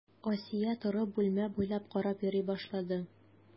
Асия торып, бүлмә буйлап карап йөри башлады.